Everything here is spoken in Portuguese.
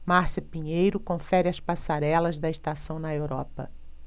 márcia pinheiro confere as passarelas da estação na europa